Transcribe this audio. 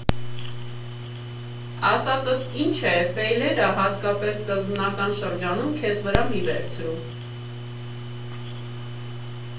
Ասածս ինչ է, ֆեյլերը, հատկապես սկզբնական շրջանում, քեզ վրա մի վերցրու։